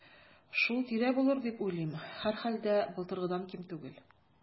Шул тирә булыр дип уйлыйм, һәрхәлдә, былтыргыдан ким түгел.